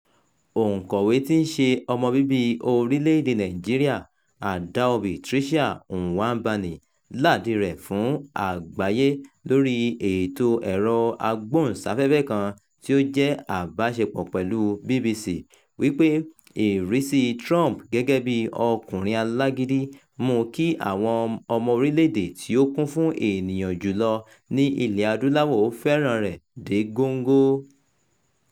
Òǹkọ̀wé tí í ṣe ọmọ bíbí orílẹ̀-èdèe Nàìjíríà Adaobi Tricia Nwaubani làdíi rẹ̀ fún àgbáyé lórí ètò ẹ̀rọ agbóhùnsáfẹ́fẹ́ kan tí ó jẹ́ àbáṣepọ̀ pẹ̀lú BBC, wípé ìrísíi Trump gẹ́gẹ́ bí "ọkùnrin alágídí" mú kí àwọn ọmọ orílẹ̀-èdè tí ó kún fún ènìyàn jù lọ ní Ilẹ̀-Adúláwọ̀ ó fẹ́ràn-an rẹ̀ dé góńgó: